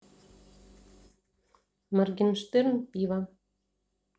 morgenshtern пиво